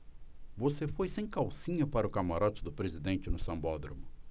você foi sem calcinha para o camarote do presidente no sambódromo